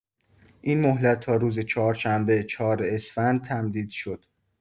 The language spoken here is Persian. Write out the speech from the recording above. این مهلت تا روز چهارشنبه، ۴ اسفند تمدید شد.